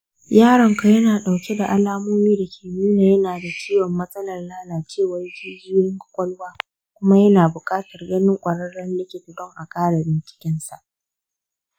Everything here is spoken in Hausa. yaronka yana dauke da alamun da ke iya nuna yana da ciwon matsalar lalacewar jijiyoyin kwakwalwa kuma yana bukatar ganin kwararren likita don a kara binciken sa.